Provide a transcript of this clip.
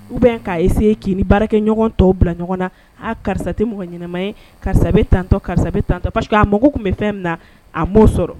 U bɛ k'se k'i ni baarakɛ ɲɔgɔn tɔw bila ɲɔgɔn na a karisa tɛ mɔgɔ ɲɛnama ye karisabe tan karisa tan ta paseke a mago tun bɛ fɛn min na a mɔ sɔrɔ